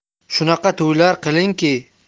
shunaqa to'ylar qilingki